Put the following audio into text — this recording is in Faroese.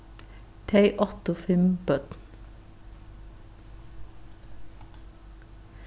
tey áttu fimm børn